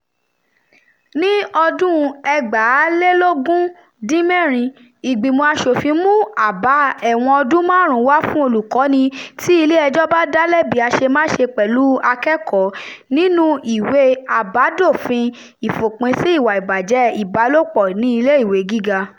Ní ọdún-un 2016, Ìgbìmọ̀ Àṣòfin mú àbá ẹ̀wọ̀n ọdún márùn-ún wá fún olùkọ́ní tí ilé ẹjọ́ bá dá lẹ́bi àṣemáṣe pẹ̀lú akẹ́kọ̀ọ́ nínú "Ìwé àbádòfin Ìfòpin sí ìwà ìbàjẹ́ ìbálòpọ̀ ní Ilé Ìwé Gíga".